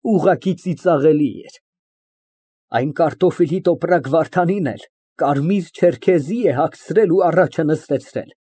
Ուղղակի ծիծաղելի էր։ Այն կարտոֆիլի տոպրակ Վարդանին էլ կարմիր չերքեզի է հագցրել ու առաջքը նստացրել։